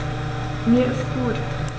Mir ist gut.